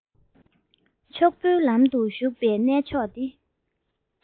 ཕྱུག པོའི ལམ དུ ཞུགས པའི གནས མཆོག འདི